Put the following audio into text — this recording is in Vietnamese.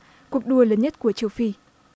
cuộc đua lớn nhất của châu phi